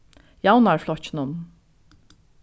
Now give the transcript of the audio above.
javnaðarflokkinum